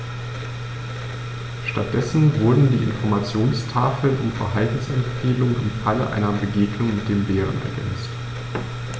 Stattdessen wurden die Informationstafeln um Verhaltensempfehlungen im Falle einer Begegnung mit dem Bären ergänzt.